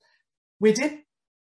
Wedyn,